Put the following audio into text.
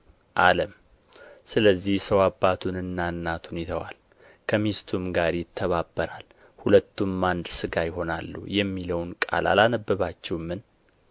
አለም ስለዚህ ሰው አባቱንና እናቱን ይተዋል ከሚስቱም ጋር ይተባበራል ሁለቱም አንድ ሥጋ ይሆናሉ የሚለውን ቃል አላነበባችሁምን